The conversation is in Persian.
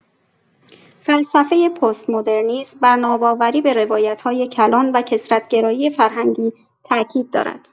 فلسفه پست‌مدرنیسم بر ناباوری به روایت‌های کلان و کثرت‌گرایی فرهنگی تاکید دارد.